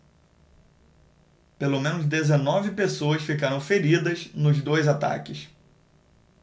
pelo menos dezenove pessoas ficaram feridas nos dois ataques